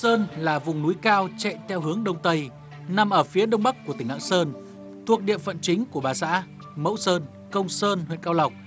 sơn là vùng núi cao chạy theo hướng đông tây nằm ở phía đông bắc của tỉnh lạng sơn thuộc địa phận chính của ba xã mẫu sơn công sơn huyện cao lộc